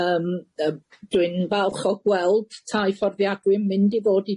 yym yy dwi'n falch o gweld tâi fforddiadwy'n mynd i fod